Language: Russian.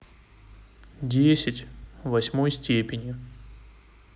десять в восьмой степени